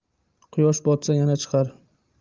quyosh botsa yana chiqar